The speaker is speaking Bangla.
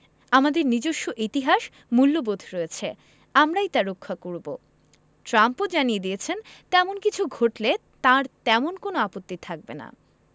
আমাদের নিজস্ব ইতিহাস মূল্যবোধ রয়েছে আমরাই তা রক্ষা করব ট্রাম্পও জানিয়ে দিয়েছেন তেমন কিছু ঘটলে তাঁর তেমন কোনো আপত্তি থাকবে না